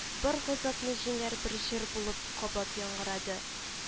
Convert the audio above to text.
Бар газапны җиңәр бер җыр булып кабат яңгырады